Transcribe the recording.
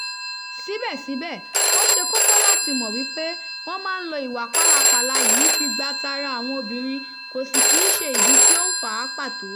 Síbẹ̀síbẹ̀, ó ṣe kókó láti mọ̀ wípé wọn máa ń lo ìwà pálapàla yìí fi gba tara àwọn obìnrin, kò sì kìí ṣe ìdí tí ó ń fà á pàtó.